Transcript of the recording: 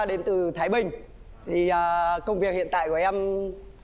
đến từ thái bình thì công việc hiện tại của em